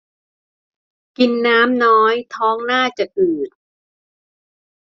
กินน้ำน้อยท้องน่าจะอืด